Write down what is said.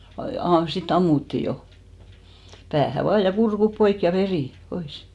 - sitä ammuttiin jo päähän vaan ja kurkut poikki ja veri pois